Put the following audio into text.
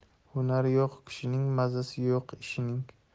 hunari yo'q kishining mazasi yo'q ishining